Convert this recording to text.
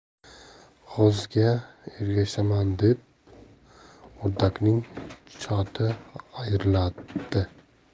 g'ozga ergashaman deb o'rdakning choti ayrilibdi